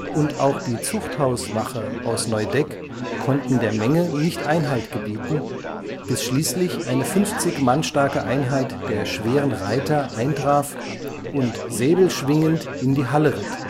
und auch die Zuchthauswache aus Neudeck konnten der Menge nicht Einhalt gebieten, bis schließlich eine 50 Mann starke Einheit der Schweren Reiter eintraf und Säbel schwingend in die Halle ritt